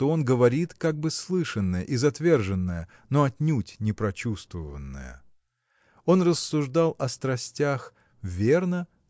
что он говорит как бы слышанное и затверженное но отнюдь не прочувствованное. Он рассуждал о страстях верно